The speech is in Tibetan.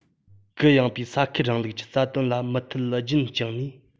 གུ ཡངས པའི ས ཁུལ རིང ལུགས ཀྱི རྩ དོན ལ མུ མཐུད རྒྱུན བསྐྱངས ནས